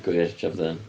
Gwir, job done.